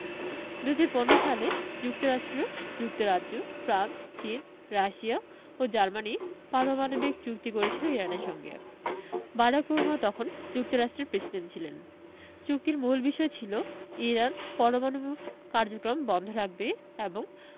২০১৫ সালে যুক্তরাষ্ট্র যুক্তরাজ্য ফ্রান্স চীন রাশিয়া ও জার্মানি পারমাণবিক চুক্তি করেছিল ইরানের সঙ্গে বারাক ওবামা তখন যুক্তরাষ্ট্রের প্রেসিডেন্ট ছিলেন চুক্তির মূল বিষয় ছিল ইরান পরমাণু কার্যক্রম বন্ধ রাখবে এবং